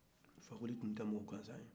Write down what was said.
fakoli tun tɛ mɔgɔ gansan ye